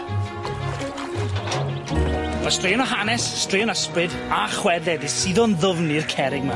Ma' straeon o hanes, straeon ysbryd, a chwedle 'di suddo'n ddwfn i'r cerrig 'ma.